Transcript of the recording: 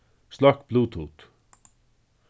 sløkk bluetooth